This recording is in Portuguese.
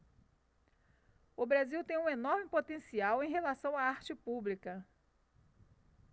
o brasil tem um enorme potencial em relação à arte pública